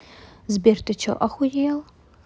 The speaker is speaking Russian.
сбер ты че охуел